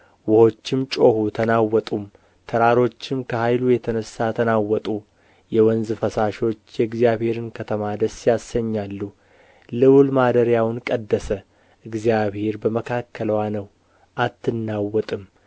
ውኆቻቸው ጮኹ ተናወጡም ተራሮችም ከኃይሉ የተነሣ ተናወጡ የወንዝ ፈሳሾች የእግዚአብሔርን ከተማ ደስ ያሰኛሉ ልዑል ማደሪያውን ቀደሰ እግዚአሔር በመካከልዋ ነው አትናወጥም